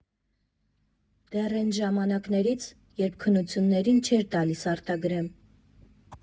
Դեռ էն ժամանակներից, երբ քննություններին չէր տալիս արտագրեմ։